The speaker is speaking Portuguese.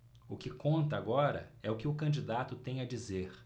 o que conta agora é o que o candidato tem a dizer